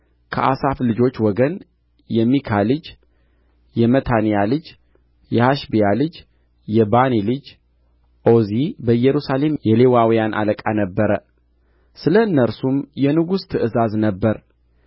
ከአሳፍ ልጆች ወገን የሚካ ልጅ የመታንያ ልጅ የሐሸብያ ልጅ የባኒ ልጅ ኦዚ በኢየሩሳሌም የሌዋውያን አለቃ ነበረ ስለ እነርሱም የንጉሥ ትእዛዝ ነበረ